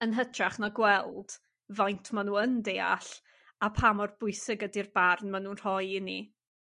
Yn hytrach na gweld faint ma' nw yn deall a pa mor bwysig ydi'r barn maen nw'n rhoi i ni.